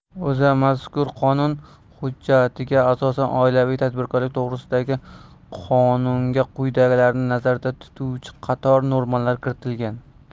o'zamazkur qonun hujjatiga asosan oilaviy tadbirkorlik to'g'risida gi qonunga quyidagilarni nazarda tutuvchi qator normalar kiritilgan